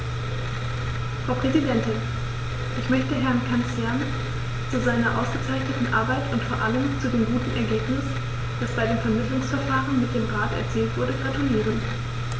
Frau Präsidentin, ich möchte Herrn Cancian zu seiner ausgezeichneten Arbeit und vor allem zu dem guten Ergebnis, das bei dem Vermittlungsverfahren mit dem Rat erzielt wurde, gratulieren.